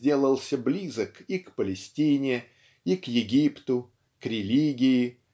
сделался близок и к Палестине и к Египту к религии